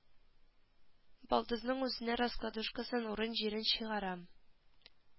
Балдызның үзенә раскладушкасын урын җирен чыгарам